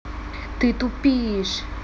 ты тупишь